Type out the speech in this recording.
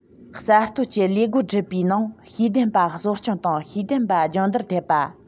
གསར གཏོད ཀྱི ལས སྒོ སྒྲུབ པའི ནང ཤེས ལྡན པ གསོ སྐྱོང དང ཤེས ལྡན པ སྦྱོང བརྡར ཐེབས པ